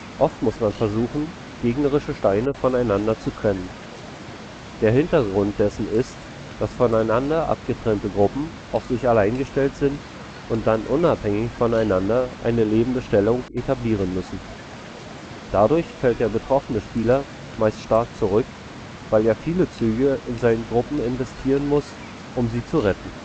Oft muss man versuchen, gegnerische Steine voneinander zu trennen. Der Hintergrund dessen ist, dass voneinander abgetrennte Gruppen auf sich allein gestellt sind und dann unabhängig voneinander eine lebende Stellung etablieren müssen. Dadurch fällt der betroffene Spieler meist stark zurück, weil er viele Züge in seine Gruppen investieren muss, um sie zu retten